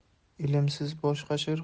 ilmsiz bosh qashir